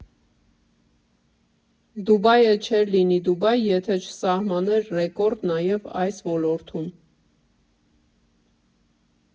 Դուբայը չէր լինի Դուբայ, եթե չսահմաներ ռեկորդ նաև այս ոլորտում.